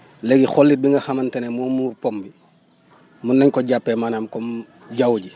léegi xollit bi nga xamante ne moom muur pomme bi mun nañ ko jàppee maanaam comme jaww ji